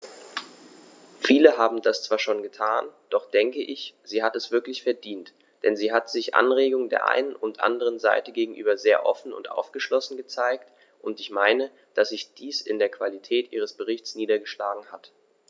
Viele haben das zwar schon getan, doch ich denke, sie hat es wirklich verdient, denn sie hat sich Anregungen der einen und anderen Seite gegenüber sehr offen und aufgeschlossen gezeigt, und ich meine, dass sich dies in der Qualität ihres Berichts niedergeschlagen hat.